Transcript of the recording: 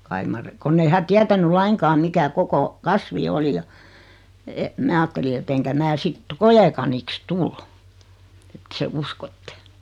kai mar kun ei hän tietänyt lainkaan mikä koko kasvi oli ja että minä ajattelin että enkä minä sitten koekaniksi tule että sen uskotte